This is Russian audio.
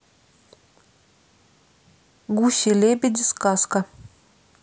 гуси лебеди сказка